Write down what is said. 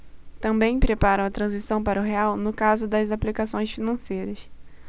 também preparam a transição para o real no caso das aplicações financeiras